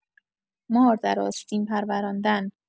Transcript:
مار در آستین پروراندن